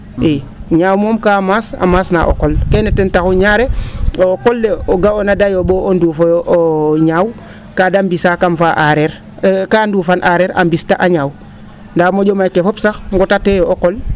i ñaaw moom kaa maas a maas na o qol kene ten taxu ñaare o qol le o ga'oona de yoo?ooyo nduufooyo ñaaw kaa de mbisaa kam faa a aareer kaa nduufan a aareer a mbis ta a ñaaw ndaa mo?o mayle fop sax nqotateeyo o qol